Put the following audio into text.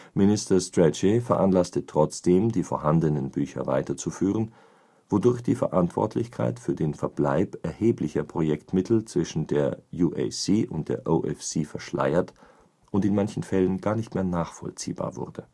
Minister Strachey veranlasste trotzdem, die vorhandenen Bücher weiterzuführen, wodurch die Verantwortlichkeit für den Verbleib erheblicher Projektmittel zwischen der UAC und der OFC verschleiert – und in manchen Fällen gar nicht mehr nachvollziehbar – wurde